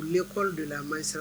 Ne kɔrɔ de la ma siran